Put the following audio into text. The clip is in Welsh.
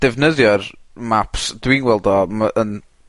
defnyddio'r maps dwi'n gweld o ma' yn